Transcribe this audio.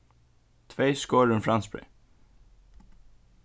tvey skorin franskbreyð